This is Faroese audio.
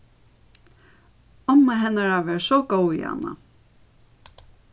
omma hennara var so góð við hana